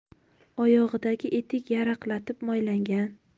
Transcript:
oyog'idagi etik yaraqlatib moylangan